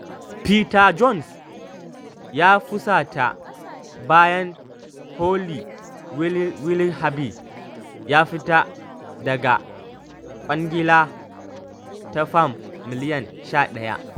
Peter Jones 'ya fusata' bayan Holly Willoughby ya fita daga kwangila ta Fam miliyan 11